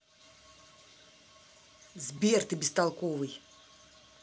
сбер ты бестолковый